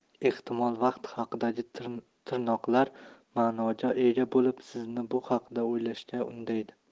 ehtimol vaqt haqidagi tirnoqlar ma'noga ega bo'lib sizni bu haqda o'ylashga undaydi